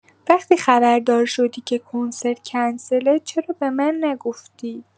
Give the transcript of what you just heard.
وقتی خبردار شدی که کنسرت کنسله، چرا به من نگفتی؟